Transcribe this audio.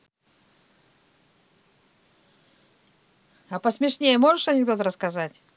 а посмешнее можешь анекдот рассказать